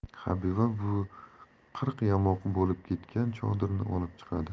habiba buvi qirq yamoq bo'lib ketgan chodirni olib chiqadi